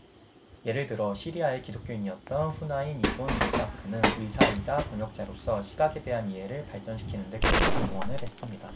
예를 들어 시리아의 기독교인이었던 후나인 이븐 이스하크는 의사이자 번역자로서 시각에 대한 이해를 발전시키는 데 큰 공헌을 했습니다